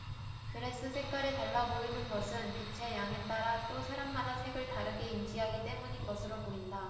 드레스 색깔이 달라 보이는 것은 빛의 양에 따라 또 사람마다 색을 다르게 인지하기 때문인 것으로 보인다